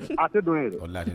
A tɛ don ye lajɛ